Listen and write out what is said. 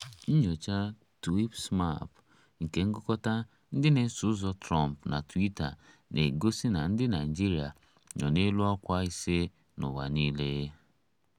Nnyocha Tweepsmap nke ngụkọta ndị na-eso ụzọ Trump na Twitter na-egosi na ndị Naịjirịa nọ n'elu ọkwa ise n'ụwa niile: